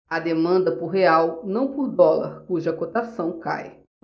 há demanda por real não por dólar cuja cotação cai